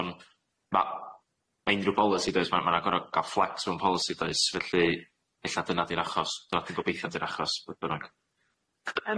o'n einrhyw bolisi does ma' ma'n agor'o ga'l flex mewn polisi does felly ella dyna di'r achos dyna dwi'n gobeithio di'r achos be' bynnag.